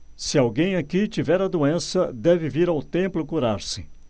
se alguém aqui tiver a doença deve vir ao templo curar-se